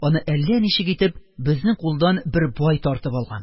Аны әллә ничек итеп безнең кулдан бер бай тартып алган,